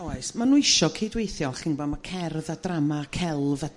Oes ma' nhw isio cydweithio chi'n 'mbo' ma' cerdd a drama celf a dawns